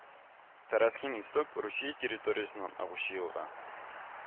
Тараскин Исток Русия территориясеннән агучы елга